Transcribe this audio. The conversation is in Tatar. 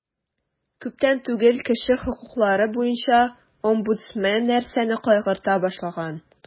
Күптән түгел кеше хокуклары буенча омбудсмен нәрсәне кайгырта башлаган?